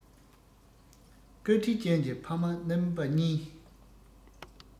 བཀའ དྲིན ཅན གྱི ཕ མ རྣམ པ གཉིས